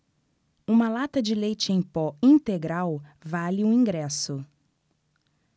uma lata de leite em pó integral vale um ingresso